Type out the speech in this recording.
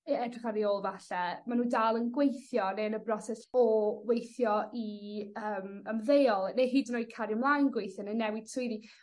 I edrych ar 'u ôl falle. Ma' n'w dal yn gweithio neu yn y broses o weithio i yym ymddeol neu hyd yn oed cario mlaen gweithio neu newid swyddi.